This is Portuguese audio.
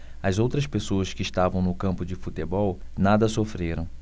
as outras pessoas que estavam no campo de futebol nada sofreram